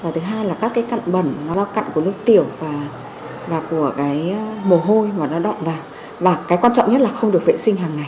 và thứ hai là các cái cặn bẩn do cặn của nước tiểu và và của cái mồ hôi mà nó đọng vào và cái quan trọng nhất là không được vệ sinh hằng